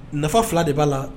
Nafa fila de b'a la